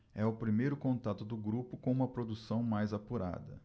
é o primeiro contato do grupo com uma produção mais apurada